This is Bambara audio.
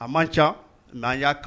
A man ca mais an y'a t